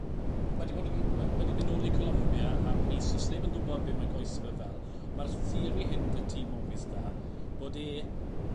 ma' 'di bod yn ma' ma' 'di mynd nôl i Colombia am mis. 'O's neb yn gwbod be' mae goese fe fel ma'r theori hyn 'da tîm Movistar bod e